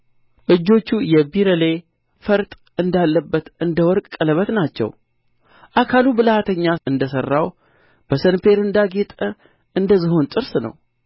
እጆቹ የቢረሌ ፈርጥ እንዳለበት እንደ ወርቅ ቀለበት ናቸው አካሉ ብልሃተኛ እንደ ሠራው በሰንፔር እንዳጌጠ እንደ ዝሆን ጥርስ ነው